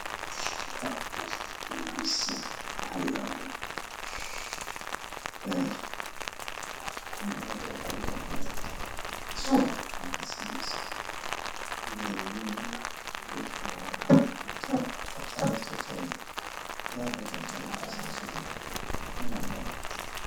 Waxaa ii muuqda saxamiin midabkooda yahay cadaanka waxaa ku jira cunto